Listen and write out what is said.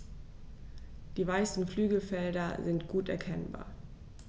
Die weißen Flügelfelder sind gut erkennbar.